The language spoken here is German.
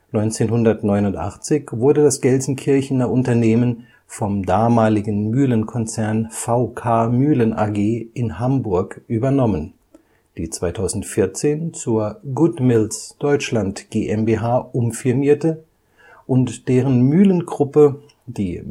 1989 wurde das Gelsenkirchener Unternehmen vom damaligen Mühlenkonzern VK Mühlen AG in Hamburg übernommen, die 2014 zur GoodMills Deutschland GmbH umfirmierte und deren Mühlengruppe die